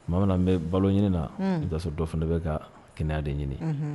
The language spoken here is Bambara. Tuma n bɛ balo ɲini na i' sɔrɔ dɔ fana dɔ bɛ ka kɛnɛya de ɲini